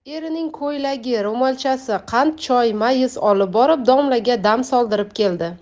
erining ko'ylagi ro'molchasi qant choy mayiz olib borib domlaga dam soldirib keldi